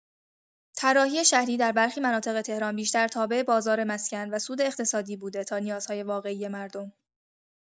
طراحی شهری در برخی مناطق تهران بیشتر تابع بازار مسکن و سود اقتصادی بوده تا نیازهای واقعی مردم.